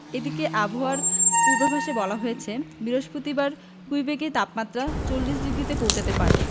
এদিকে আবহাওয়ার পূর্বাভাসে বলা হয়েছে বৃহস্পতিবার কুইবেকে তাপমাত্রা ৪০ ডিগ্রিতে পৌঁচাতে পারে